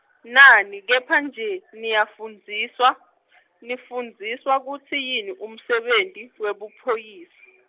nani, kepha nje niyafundziswa , nifundziswa kutsi yini umsebenti, webuphoyisa .